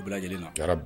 U bɛɛ lajɛlenna yarab